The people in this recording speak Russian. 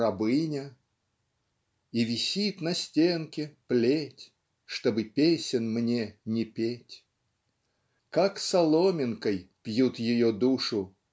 рабыня, И висит на стенке плеть, Чтобы песен мне не петь. "Как соломинкой" пьют ее душу